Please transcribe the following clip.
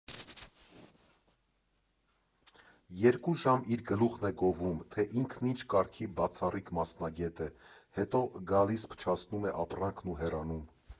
Երկու ժամ իր գլուխն է գովում, թե ինքն ինչ կարգի բացառիկ մասնագետ է, հետո՝ գալիս փչացնում է ապրանքն ու հեռանում։